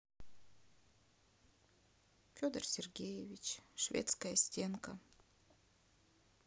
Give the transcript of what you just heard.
федор сергеевич шведская стенка